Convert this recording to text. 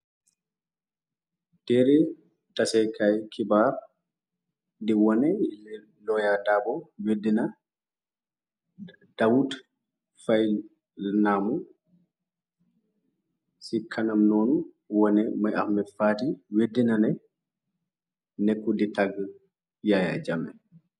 t Teere tasekaay xibaar di wone looya daabo weddina dawut faynaamu ci kanam noonu wone mëy axme faati weddinane nekku di tàgg yaaya jammeh.